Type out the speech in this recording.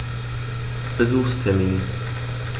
Besuchstermin